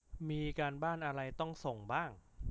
มีการบ้านอะไรต้องส่งบ้าง